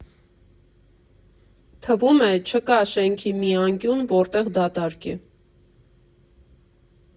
Թվում է՝ չկա շենքի մի անկյուն, որտեղ դատարկ է։